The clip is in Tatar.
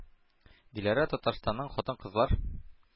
Диләрә Татарстанның хатын-кызлар